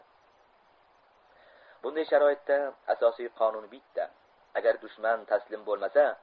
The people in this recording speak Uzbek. bunday sharoitda asosiy qonun bitta agar dushman taslim bo'lmasa